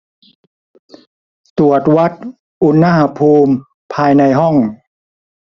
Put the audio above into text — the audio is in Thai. ตรวจวัดอุณหภูมิภายในห้อง